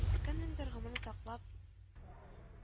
Кемнеңдер гомерен саклап